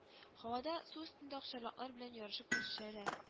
Һавада су өстендә акчарлаклар белән ярышып көрешәләр